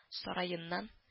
Сараеннан